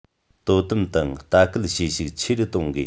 དོ དམ དང ལྟ སྐུལ བྱེད ཤུགས ཆེ རུ གཏོང དགོས